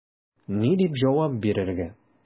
Ни дип җавап бирергә?